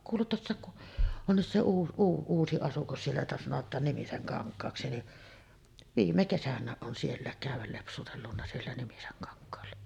kuule tuossakin kun onkin se -- uusi asukas siellä jota sanotaan Nimisenkankaaksi niin viime kesänäkin on siellä käydä lepsutellut siellä Nimisenkankaalla